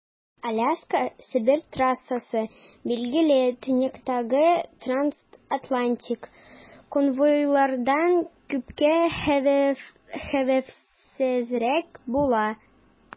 Аляска - Себер трассасы, билгеле, төньяктагы трансатлантик конвойлардан күпкә хәвефсезрәк була.